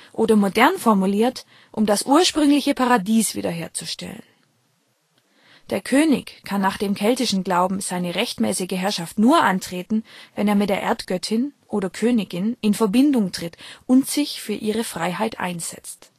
oder modern formuliert, um das ursprüngliche Paradies wieder herzustellen. Der König kann nach dem keltischen Glauben seine rechtmäßige Herrschaft nur antreten, wenn er mit der Erdgöttin (oder Königin) in Verbindung tritt und sich für ihre Freiheit einsetzt